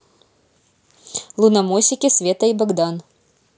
лунамосики света и богдан